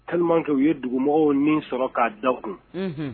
Kalikɛ u ye dugumɔgɔ min sɔrɔ k'a da kun